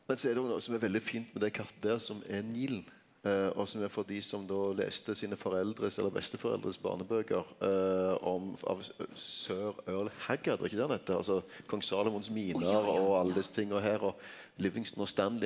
men så er det òg noko som er veldig fint med det kartet der som er Nilen og som er for dei som då las sine foreldres eller besteforeldres barnebøker om av Sir Earl Haggard var det ikkje det han heitte altså Kong Salomons miner og alle desse tinga og her og Livingston og Stanley.